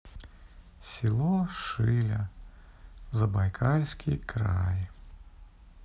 село шиля забайкальский край